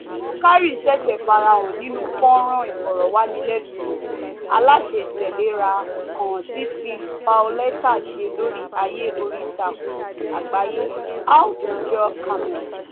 Boukary ṣẹ̀ṣẹ̀ farahàn nínú fọ́nràn ìfòròwánilénuwò aláṣetẹ̀léra kan tí Phil Paoletta ṣe lórí àyè oríìtakùn àgbáyé How to Draw Camels.